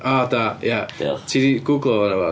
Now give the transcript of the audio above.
O da, ia... Diolch. ...Ti 'di googlo fo neu rywbath?